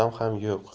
odam ham yo'q